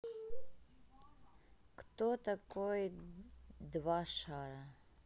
кто такой два шара